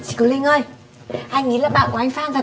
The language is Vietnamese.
chị kiều kinh ơi anh ấy là bạn của anh phan